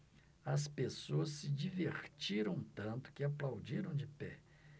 as pessoas se divertiram tanto que aplaudiram de pé